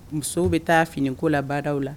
Musow bɛ taa finiko labaadaw la